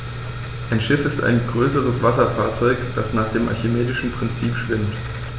Ein Schiff ist ein größeres Wasserfahrzeug, das nach dem archimedischen Prinzip schwimmt.